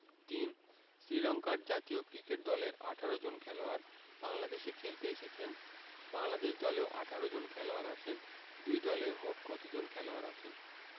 ৩ শ্রীলংকার জাতীয় ক্রিকেট দলের ১৮ জন খেলোয়াড় বাংলাদেশে খেলতে এসেছেন বাংলাদেশ দলেও ১৮ জন খেলোয়াড় আছেন দুই দলে মোট কতজন খেলোয়াড় আছেন